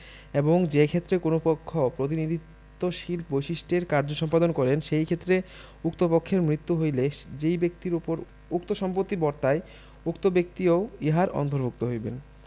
এবং যেক্ষেত্রে কোন পক্ষ প্রতিনিধিত্বশীল বৈশিষ্ট্যে কার্য সম্পাদন করেন সেই ক্ষেত্রে উক্ত পক্ষের মৃত্যু হইলে যেই ব্যক্তির উপর উক্ত সম্পত্তি বর্তায় উক্ত ব্যক্তিও ইহার অন্তর্ভুক্ত হইবেন